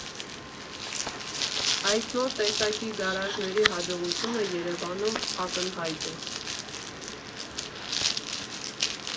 Այս նոր տեսակի գարաժների հաջողությունը Երևանում ակնհայտ է։